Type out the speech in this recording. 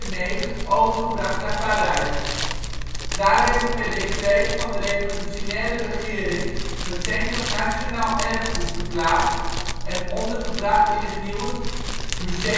1795 overgebracht naar Parijs. Daar werd het per decreet van de revolutionaire regering meteen tot nationaal erfgoed verklaard en ondergebracht in het nieuwe Muséum